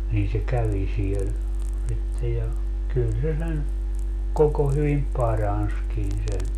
niin se kävi siellä sitten ja kyllä se sen koko hyvin paransikin sen